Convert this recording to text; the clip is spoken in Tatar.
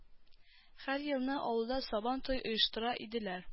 Һәр елны авылда сабантуй оештыра иделәр